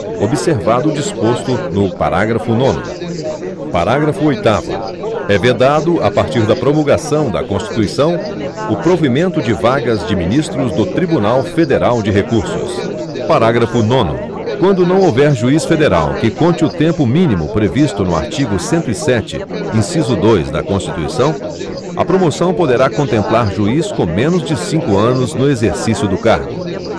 observado o disposto no parágrafo nono parágrafo oitavo é vedado a partir da promulgação da constituição o provimento de vagas de ministros do tribunal federal de recursos parágrafo nono quando não houver juiz federal que conte o tempo mínimo previsto no artigo cento e sete inciso dois da constituição a promoção poderá contemplar juiz com menos de cinco anos no exercício do cargo